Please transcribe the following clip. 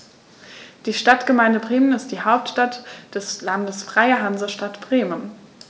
Die Stadtgemeinde Bremen ist die Hauptstadt des Landes Freie Hansestadt Bremen.